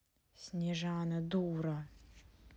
снежана дура